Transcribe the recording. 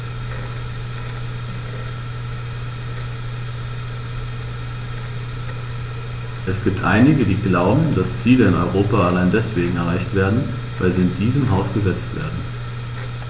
Es gibt einige, die glauben, dass Ziele in Europa allein deswegen erreicht werden, weil sie in diesem Haus gesetzt werden.